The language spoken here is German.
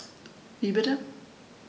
Wie bitte?